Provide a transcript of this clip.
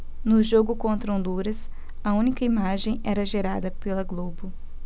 no jogo contra honduras a única imagem era gerada pela globo